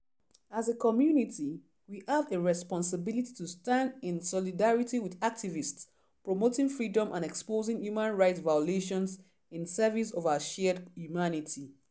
As a community, we have a responsibility to stand in solidarity with activists promoting freedom and exposing human rights violations in service of our shared humanity.